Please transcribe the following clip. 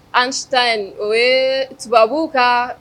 Einsteine o ye tubabu ka